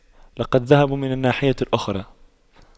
لقد ذهبوا من الناحية الأخرى